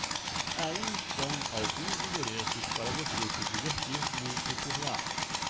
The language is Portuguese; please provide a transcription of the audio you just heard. aí estão alguns endereços para você se divertir muito por lá